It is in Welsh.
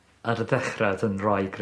Ar y ddechre odd 'yn raig...